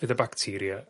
fydd y bacteria